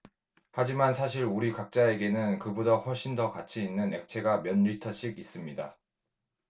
하지만 사실 우리 각자에게는 그보다 훨씬 더 가치 있는 액체가 몇 리터씩 있습니다